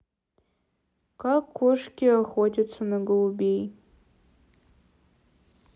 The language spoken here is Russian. как кошки охотятся на голубей